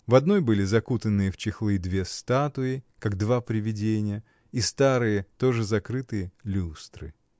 в одной были закутанные в чехлы две статуи, как два привидения, и старые, тоже закрытые, люстры.